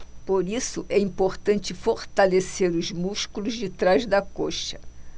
por isso é importante fortalecer os músculos de trás da coxa